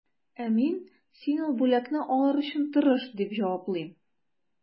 Ә мин, син ул бүләкне алыр өчен тырыш, дип җаваплыйм.